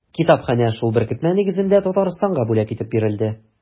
Китапханә шул беркетмә нигезендә Татарстанга бүләк итеп бирелде.